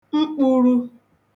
mkpūrū